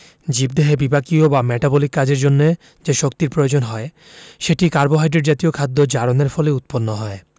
জীবদেহে বিপাকীয় বা মেটাবলিক কাজের জন্য যে শক্তির প্রয়োজন হয় সেটি কার্বোহাইড্রেট জাতীয় খাদ্য জারণের ফলে উৎপন্ন হয়